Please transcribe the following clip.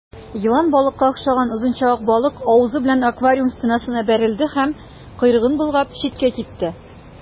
Елан балыкка охшаган озынча ак балык авызы белән аквариум стенасына бәрелде һәм, койрыгын болгап, читкә китте.